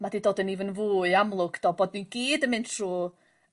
mae 'di dod yn even fwy amlwg do bod ni gyd yn mynd trw'